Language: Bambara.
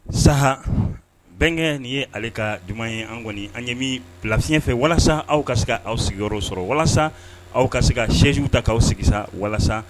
Sa bɛnkɛ nin ye ale ka dumanuma ye an kɔni an yemi bilasiɲɛ fɛ walasa aw ka se aw sigiyɔrɔ sɔrɔ walasa aw ka se ka ssiww ta k'aw sigi walasa